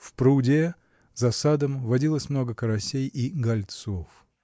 В пруде за садом водилось много карасей и гольцов.